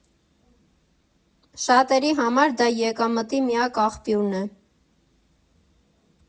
Շատերի համար դա եկամտի միակ աղբյուրն է։